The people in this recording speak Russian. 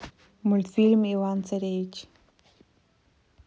мультфильм иван царевич